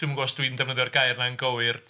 Dwi'm yn gwybod os dwi'n defnyddio'r gair yna'n gywir?